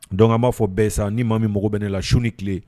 Don b'a fɔ bɛn sa ni maa min mɔgɔ bɛ ne la su ni tile